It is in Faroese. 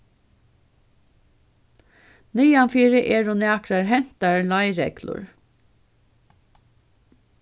niðanfyri eru nakrar hentar leiðreglur